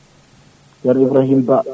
ceerno Ibrahima Ba